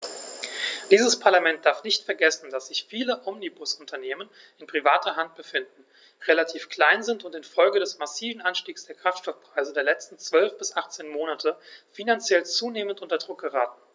Dieses Parlament darf nicht vergessen, dass sich viele Omnibusunternehmen in privater Hand befinden, relativ klein sind und in Folge des massiven Anstiegs der Kraftstoffpreise der letzten 12 bis 18 Monate finanziell zunehmend unter Druck geraten.